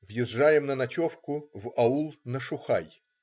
Въезжаем на ночевку в аул Нашухай.